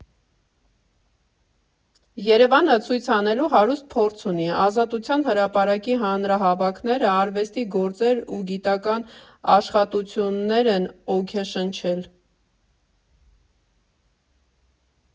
Երևանը ցույց անելու հարուստ փորձ ունի՝ Ազատության հրապարակի հանրահավաքները արվեստի գործեր ու գիտական աշխատություններ են օգեշնչել։